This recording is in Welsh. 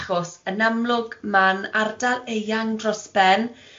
achos yn amlwg ma'n ardal eang dros ben